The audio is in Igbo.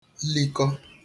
likọ